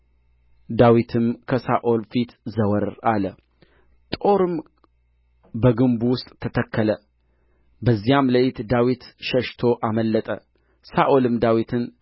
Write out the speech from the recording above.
ዳዊትም ከሳኦል ፊት ዘወር አለ ጦሩም በግንቡ ውስጥ ተተከለ በዚያም ሌሊት ዳዊት ሸሽቶ አመለጠ ሳኦልም ዳዊትን